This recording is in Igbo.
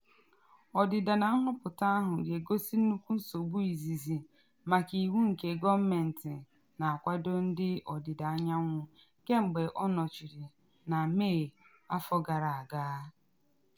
Ọdịda na nhọpụta ahụ ga-egosi nnukwu nsogbu izizi maka iwu nke gọọmentị na akwado ndị Odịda Anyanwụ kemgbe ọ nọchiri na Mey afọ gara aga.